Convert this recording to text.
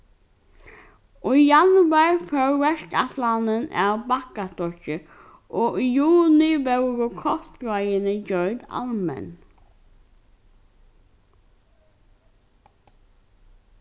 í januar fór verkætlanin av bakkastokki og í juni vórðu kostráðini gjørd almenn